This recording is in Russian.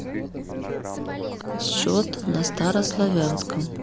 счет на старославянском